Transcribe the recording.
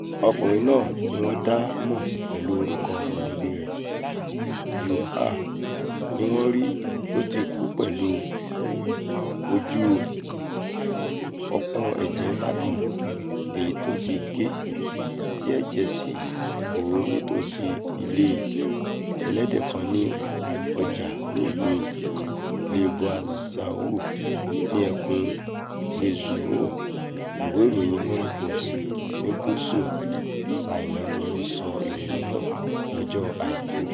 Ọkùnrin náà, tí wọ́n dá mọ̀ pẹ̀lú orúkọ mọ̀lẹ́bí rẹ̀ ''Yuan,'' ni wọ́n rí tóti kù pẹ̀lú ojú-òpó ẹ̀jẹ̀ ńlá kan èyití ó ti gé, tí ẹ̀jẹ̀ sì bò ó nítòsì ilé ẹlẹ́dẹ̀ kan ní ọjà ní ìlú Liupanshui ní ẹkùn Guizhou, ìwé ìròyín Morning Post ti Gúúsù Ṣáínà ni o sọ íròyìn naa lọ́jọ́ Àìkú.